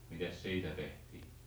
mitäs siitä tehtiin